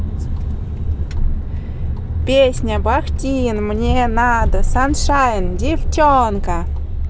песня бахтин мне надо саншайн девчонка